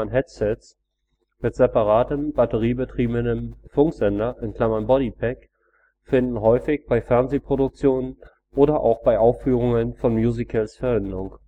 Headsets) mit separatem batteriebetriebenem Funksender (Bodypack) finden häufig bei Fernsehproduktionen oder auch bei Aufführungen von Musicals Verwendung